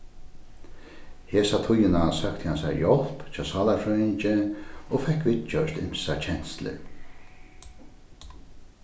hesa tíðina søkti hann sær hjálp hjá sálarfrøðingi og fekk viðgjørt ymsar kenslur